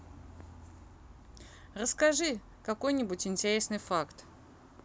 расскажи какой нибудь интересный факт